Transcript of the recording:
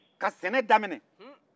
ka sɛnɛ daminɛ